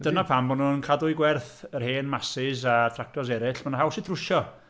Dyna pam maen nhw'n cadw ei gwerth yr hen Massies a tractors eraill. Maen nhw'n haws i drwsio.